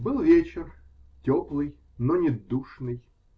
*** Был вечер, теплый, но не душный